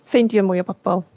ffeindio mwy o bobl.